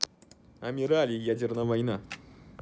амирали ядерная война